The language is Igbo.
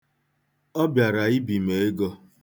Ọ bịara ibi m ego.